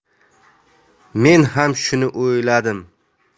men ham shuni o'yladim